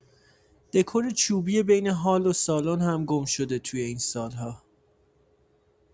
دکور چوبی بین هال و سالن هم گم شده توی این سال‌ها.